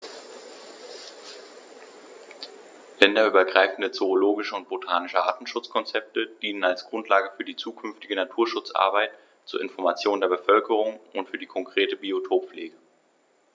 Länderübergreifende zoologische und botanische Artenschutzkonzepte dienen als Grundlage für die zukünftige Naturschutzarbeit, zur Information der Bevölkerung und für die konkrete Biotoppflege.